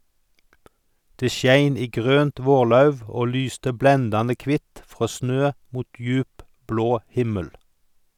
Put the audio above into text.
Det skein i grønt vårlauv og lyste blendande kvitt frå snø mot djup, blå himmel.